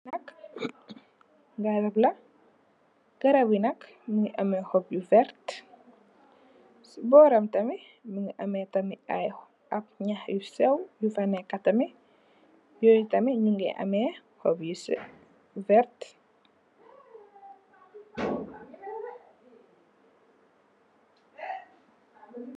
Lii nak garab la, garab bii nak mungy ameh hohbb yu vert, cii bohram tamit mungy ameh tamit aiiy ahb njahh yu sehw yufa neka tamit, yoyu tamit njungy ameh hohbb yu sehw vert.